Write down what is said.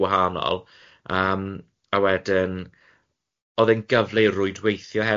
gwahanol yym a wedyn oedd e'n gyfle i rwydweithio hefyd.